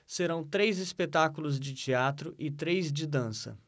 serão três espetáculos de teatro e três de dança